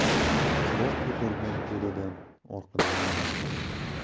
chiroq ko'targan to'dadan orqada yunnas